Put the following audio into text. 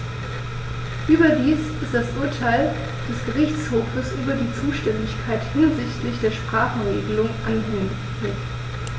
Überdies ist das Urteil des Gerichtshofes über die Zuständigkeit hinsichtlich der Sprachenregelung anhängig.